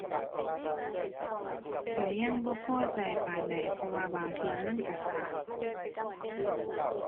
ก็ยังบ่พอใจปานใด เพราะว่าบางเทื่อมันก็ก็